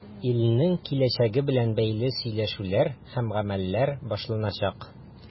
Илнең киләчәге белән бәйле сөйләшүләр һәм гамәлләр башланачак.